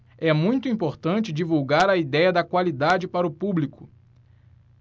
é muito importante divulgar a idéia da qualidade para o público